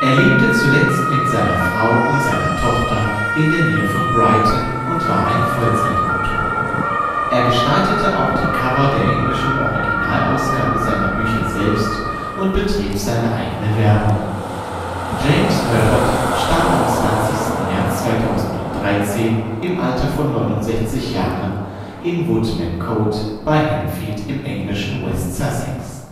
lebte zuletzt mit seiner Frau und seiner Tochter in der Nähe von Brighton und war ein Vollzeit-Autor. Er gestaltete auch die Cover der englischen Originalausgaben seiner Bücher selbst und betrieb seine eigene Werbung. James Herbert starb am 20. März 2013 im Alter von 69 Jahren in Woodmancote bei Henfield im englischen West Sussex